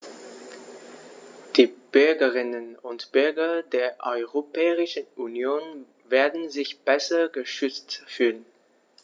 Die Bürgerinnen und Bürger der Europäischen Union werden sich besser geschützt fühlen.